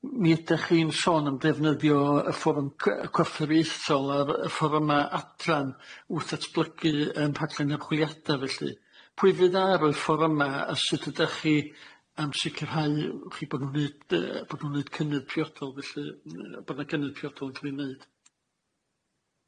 Mi ydach chi'n sôn am ddefnyddio y fforwm c- yy corfforaethol a'r y fforwma adran wrth atblygu yym rhaglen ymchwiliada felly pwy fydd ar y fforyma a sut ydach chi am sicirhau chi bod nw'n neud yy bod nw'n neud cynnydd priodol felly n- yy bod yna cynnydd priodol yn ca'l i wneud?